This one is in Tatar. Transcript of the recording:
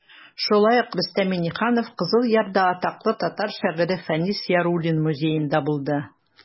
Шулай ук Рөстәм Миңнеханов Кызыл Ярда атаклы татар шагыйре Фәнис Яруллин музеенда булды.